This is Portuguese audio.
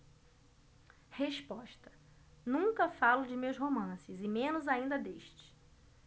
resposta nunca falo de meus romances e menos ainda deste